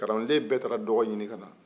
kalanden bɛɛ taara dɔgɔ ɲini ka na